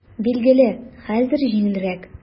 Билгеле, хәзер җиңелрәк.